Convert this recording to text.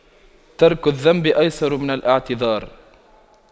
ترك الذنب أيسر من الاعتذار